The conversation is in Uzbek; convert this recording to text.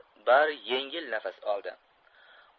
bari yengil nafas oldi